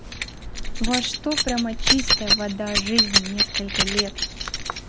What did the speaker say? во что прямо чистая вода жизнь несколько лет